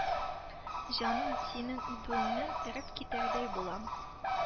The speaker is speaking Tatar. Җаным, синең үбүеңнән эреп китәрдәй булам.